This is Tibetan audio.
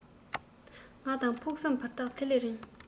ང དང ཕུགས བསམ བར ཐག དེ ལས རིང